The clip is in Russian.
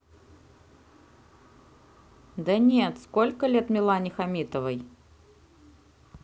да нет сколько лет милане хамитовой